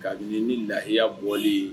Ka ni ni lahiya bɔlen ye